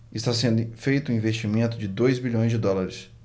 está sendo feito um investimento de dois bilhões de dólares